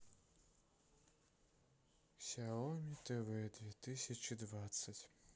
ксиаоми тв две тысячи двадцать